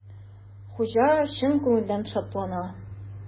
Хуҗа чын күңелдән шатлана.